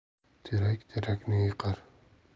terak terakni yiqar